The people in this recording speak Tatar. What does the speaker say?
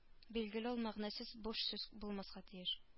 Билгеле ул мәгънәсез буш сүз булмаска тиеш